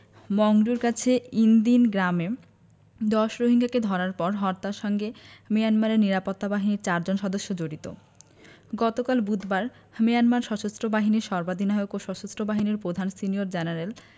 মংডুর কাছে ইনদিন গ্রামে ১০ রোহিঙ্গাকে ধরার পর হত্যার সঙ্গে মিয়ানমারের নিরাপত্তা বাহিনীর চারজন সদস্য জড়িত গতকাল বুধবার মিয়ানমার সশস্ত্র বাহিনীর সর্বাধিনায়ক ও সশস্ত্র বাহিনীর প্রধান সিনিয়র জেনারেল